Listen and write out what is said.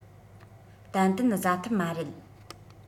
ཏན ཏན བཟའ ཐུབ མ རེད